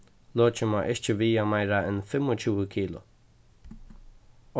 lokið má ikki viga meira enn fimmogtjúgu kilo